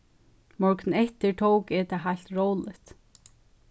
morgunin eftir tók eg tað heilt róligt